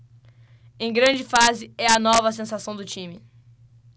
em grande fase é a nova sensação do time